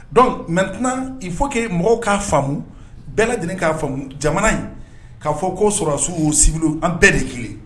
Don mɛ tɛna i fɔ' mɔgɔw k'a fa bɛɛ lajɛlen k'a faamu jamana in kaa fɔ k' sɔrɔsiw'u sibi an bɛɛ de kelen